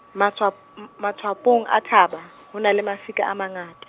matswa-, m- matswapong a thaba, ho na le mafika a mangata.